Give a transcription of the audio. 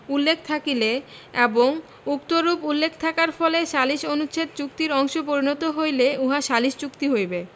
উল্লেখ থাকিলে এবং উক্তরূপ উল্লেখ থাকার ফলে সালিস অনুচ্ছেদ চুক্তির অংশে পরিণত হইলে উহা সালিস চুক্তি হইবে